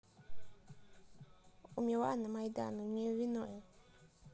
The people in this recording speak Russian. у миланы майдана у нее виновен